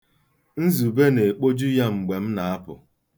Nzube na-ekpoju ya mgbe m na-apụ.